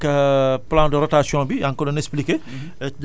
léegi nag plan de rotation bi yaa ngi ko doon expliqué